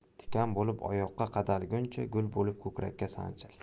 tikan bo'lib oyoqqa qadalguncha gul bo'lib ko'krakka sanchil